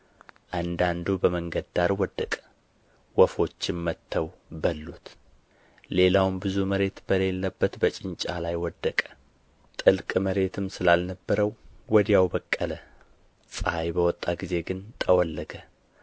አንዳንዱ በመንገድ ዳር ወደቀ ወፎችም መጥተው በሉት ሌላውም ብዙ መሬት በሌለበት በጭንጫ ላይ ወደቀ ጥልቅ መሬትም ስላልነበረው ወዲያው በቀለ ፀሐይ በወጣ ጊዜ ግን ጠወለገ